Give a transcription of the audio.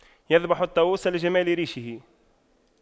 يذبح الطاووس لجمال ريشه